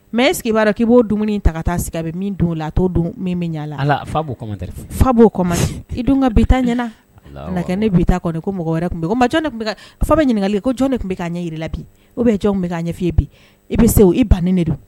Mɛ e sigira k'i'o dumuni ta ka taa sigi bɛ min don la don min bɛ ɲɛ la fa fa b'o i dun ka bi ɲɛna nɛgɛ kɛ ne bi ko mɔgɔ wɛrɛ tun jɔn fa bɛ ɲininkaka ko jɔn de tun bɛ ka ɲɛ jirila bi o bɛ jɔnw bɛ ka ɲɛ ɲɛfɔye bi i bɛ se i bannen de don